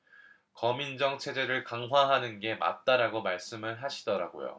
검인정 체제를 강화하는 게 맞다라고 말씀을 하시더라고요